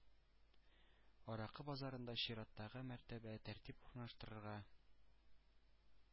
Аракы базарында чираттагы мәртәбә тәртип урнаштырырга